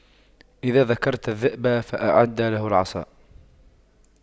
إذا ذكرت الذئب فأعد له العصا